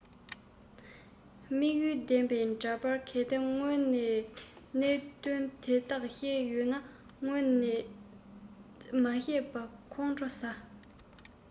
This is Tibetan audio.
དམིགས ཡུལ ལྡན པའི འདྲ པར གལ ཏེ སྔོན ནས གནད དོན དེ དག བཤད ཡོད ན སྔོན ནས མ བཤད པར ཁོང ཁྲོ ཟ